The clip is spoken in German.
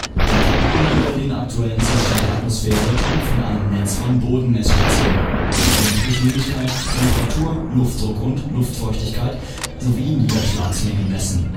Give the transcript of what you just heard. Die Daten über den aktuellen Zustand der Atmosphäre kommen von einem Netz von Bodenmessstationen, die Windgeschwindigkeit, Temperatur, Luftdruck und Luftfeuchtigkeit sowie Niederschlagsmengen messen